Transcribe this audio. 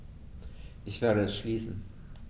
Ich werde es schließen.